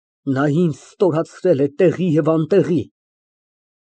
Նա ինձ ստորացրել է տեղի և անտեղի։